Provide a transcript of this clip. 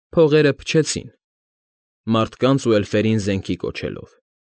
Փողերը փչեցին՝ մարդկանց ու էլֆերին զենքի կոչելով։